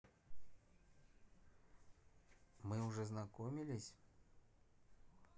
мы уже знакомились